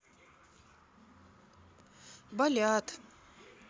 болят